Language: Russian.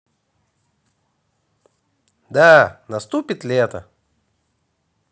да наступит лето